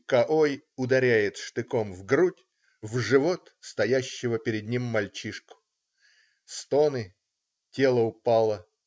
К-ой ударяет штыком в грудь, в живот стоящего перед ним мальчишку. Стоны. тело упало.